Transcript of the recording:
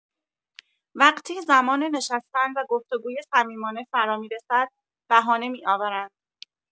وقتی زمان نشستن و گفت‌وگوی صمیمانه فرامی‌رسد، بهانه می‌آورند.